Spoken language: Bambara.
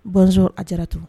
Bonjour Ajaratu